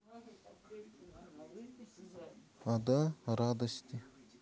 ода радости